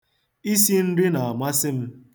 Isi nri na-amasị m.